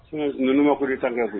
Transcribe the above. Ninnu ma ko ta koyi